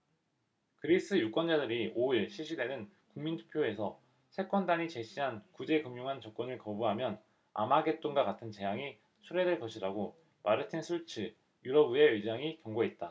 그리스 유권자들이 오 일 실시되는 국민투표에서 채권단이 제시한 구제금융안 조건을 거부하면 아마겟돈과 같은 재앙이 초래될 것이라고 마르틴 슐츠 유럽의회 의장이 경고했다